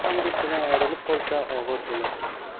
ham do'stidan ayrilib qolsa og'ir bo'larkan